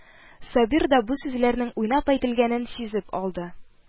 Сабир да бу сүзләрнең уйнап әйтелгәнен сизеп алды